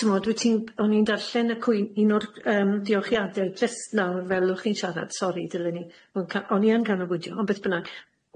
t'mod wyt ti'n o'n i'n darllen y cwyn- un o'r yym diolchiade jyst nawr fel o'ch chi'n siarad sori dilyn ni o'n ca- o'n i yn ganolbwydio ond beth bynnag,